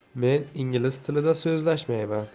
men ingliz tilida so'zlashmayman